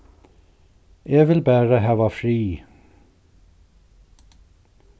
eg vil bara hava frið